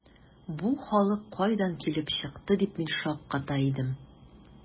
“бу халык кайдан килеп чыкты”, дип мин шакката идем.